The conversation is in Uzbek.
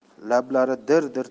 lablari dir dir